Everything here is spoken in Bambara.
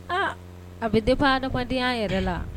A a bɛ depend adamadenya yɛrɛ la.